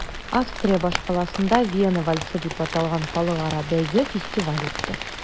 Австрия башкаласында “Вена вальсы” дип аталган халыкара бәйге-фестиваль үтте.